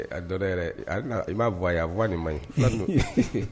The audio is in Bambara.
Dɔn yɛrɛ i m'a bɔwa a fɔ ni man ɲi don